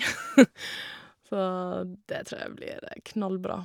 Så det tror jeg blir knallbra.